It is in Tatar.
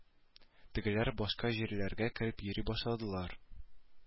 Тегеләр башка җирләргә кереп йөри башладылар